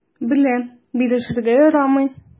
Белә: бирешергә ярамый.